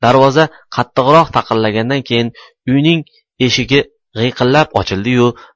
darvoza qattiqroq taqillagandan keyin uyning eshigi g'iyqillab ochildi yu